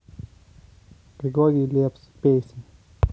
григорий лепс песни